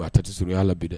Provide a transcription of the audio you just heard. A ta tɛ s ala bɛ dɛ